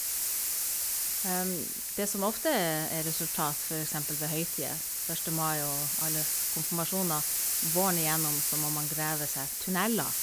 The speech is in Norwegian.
Det som ofte er resultat, for eksempel ved høytider, første mai og alle konfirmasjoner våren igjennom, så må man grave seg tunneler.